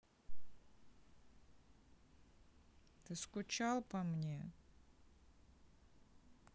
ты скучал по мне